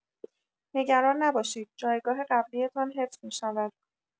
نگران نباشید جایگاه قبلی‌تان حفظ می‌شود.